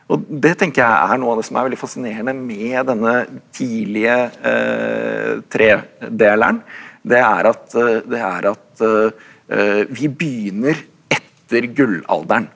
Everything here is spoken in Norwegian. og det tenker jeg er noe av det som er veldig fasinerende med denne tidlige tredeleren det er at det er at vi begynner etter gullalderen.